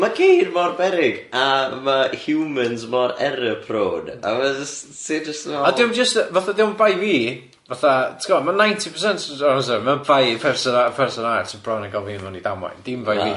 Ma' ceir mor beryg a ma' humans mor error prone a ma' jys- ti jyst yn me'l... A dio'm jyst yn fatha dio'm bai fi fatha ti'n gwbo ma' ninety percent o'r amsar ma' bai person ar- person arall sy' bron a cal fi mewn i damwain dim bai fi.